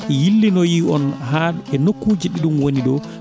yillinoyo on haa e nokkuji ɗiɗum woni ɗo